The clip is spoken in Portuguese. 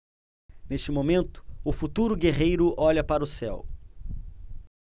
neste momento o futuro guerreiro olha para o céu